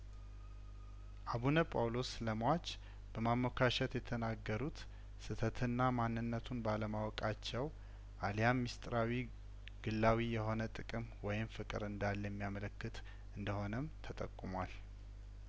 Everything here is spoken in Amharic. አቡነ ጳውሎስ ስለሟች በማሞካሸት የተናገሩት ስተትና ማንነቱን ባለማወቃቸው አልያምምስጢራዊ ግላዊ የሆነ ጥቅም ወይም ፍቅር እንዳለየሚ ያመለክት እንደሆነም ተጠቁሟል